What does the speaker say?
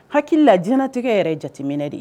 Hakili la diɲɛnatigɛ yɛrɛ ye jateminɛ de ye.